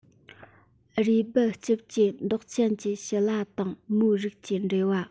རུས སྦལ ལྕིབས ཀྱི མདོག ཅན གྱི བྱི ལ དང མོ རིགས ཀྱི འབྲེལ བ